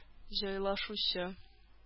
Җайлашучы